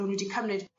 o'n n'w 'di cymryd